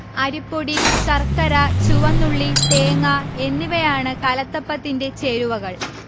അരിപ്പൊടി ശർക്കര ചുവന്നുള്ളി തേങ്ങ എന്നിവയാണ് കലത്തപ്പത്തിന്റെ ചേരുവകൾ